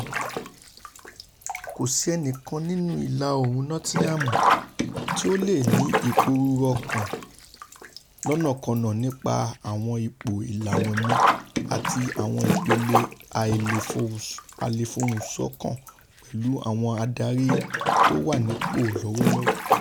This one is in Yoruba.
Kòsí ẹnikan nínú Ìla-oòrùn Nottingham tí ó leè ní ìpòrúùru ọkàn lọ́nàkọnà nípa àwọn ipò ìlànà mi àti àwọn ipele àìleèfohùnṣọ̀kan pẹ̀lú àwọn adàri tówànípò lọ́wọ́lọ́wọ́.